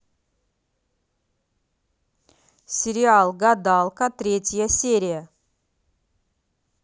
сериал гадалка третья серия